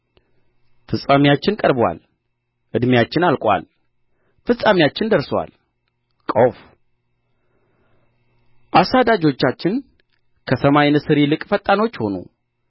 ፍጻሜያችን ቀርቦአል ዕድሜያችን አልቆአል ፍጻሜያችን ደርሶአል ቆፍ አሳዳጆቻችን ከሰማይ ንስር ይልቅ ፈጣኖች ሆኑ